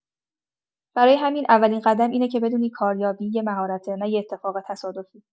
برای همین، اولین قدم اینه که بدونی کاریابی یه مهارته، نه یه اتفاق تصادفی.